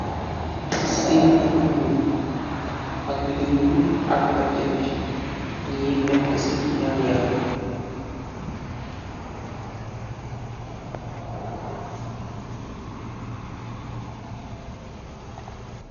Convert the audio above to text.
Sait bunye mur, ak lindh bi, ak bajan ji, nyii nek si nyaan yalla.